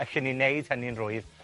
allen i neud hynny'n rhwydd,